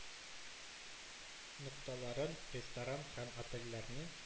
Нокталарын, ресторан һәм отельләрне